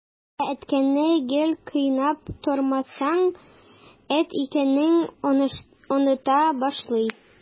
Ә этне гел кыйнап тормасаң, эт икәнен оныта башлый.